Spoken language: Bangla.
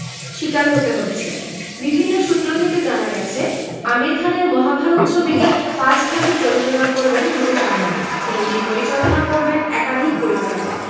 শিকার হতে হচ্ছে বিভিন্ন সূত্র থেকে জানা গেছে আমির খানের মহাভারত ছবিটি পাঁচ ভাগে প্রযোজনা করবেন মুকেশ আম্বানি ছবিটি পরিচালনা করবেন একাধিক পরিচালক